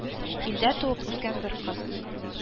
Илдә туып үскән бер кыз